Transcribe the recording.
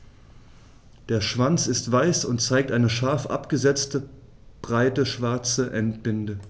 Der Schwanz ist weiß und zeigt eine scharf abgesetzte, breite schwarze Endbinde.